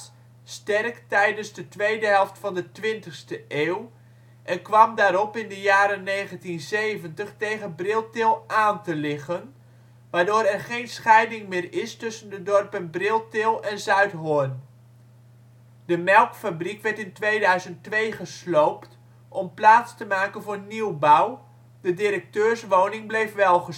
sterk tijdens de tweede helft van de 20e eeuw en kwam daarop in de jaren 1970 tegen Briltil aan te liggen, waardoor er geen scheiding meer is tussen de dorpen Briltil en Zuidhorn. De melkfabriek werd in 2002 gesloopt om plaats te maken voor nieuwbouw (de directeurswoning bleef wel